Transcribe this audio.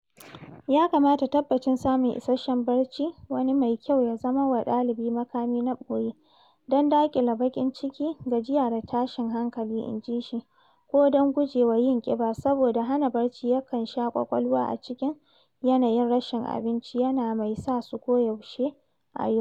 Ya kamata tabbacin samun isasshen barci, wani mai kyau, ya zama wa ɗalibi ‘makami na boye’ don daƙile baƙin ciki, gajiya da tashin hankali, inji shi - ko don guje wa yin ƙiba, saboda hana barci yakan sa ƙwaƙwalwa a cikin yanayin rashin abinci, yana mai sa su koyaushe a yunwa.